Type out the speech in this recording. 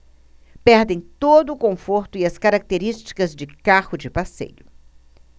perdem todo o conforto e as características de carro de passeio